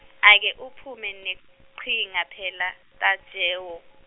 ake uphume neqhinga, phela, Tajewo.